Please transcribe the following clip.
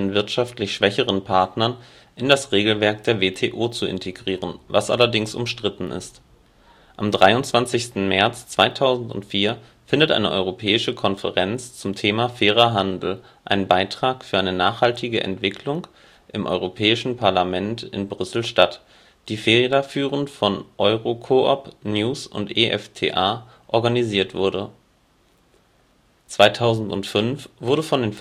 wirtschaftlich schwächeren Partnern in das Regelwerk der WTO zu integrieren, was allerdings umstritten ist. Am 23. März 2004 findet eine Europäische Konferenz zum Thema „ Fairer Handel - Ein Beitrag für eine nachhaltige Entwicklung? “im EU-Parlament in Brüssel statt, die federführend von EURO COOP, NEWS! und EFTA organisiert wurde. 2005 wurde von